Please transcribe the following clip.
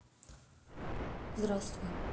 здравствуй